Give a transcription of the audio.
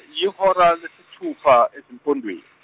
yihora lesithupha ezimpondweni.